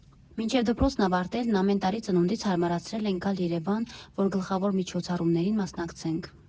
Մինչև դպրոցն ավարտելն ամեն տարի ծնունդիս հարմարացրել ենք գալ Երևան, որ գլխավոր միջոցառումներին մասնակցենք։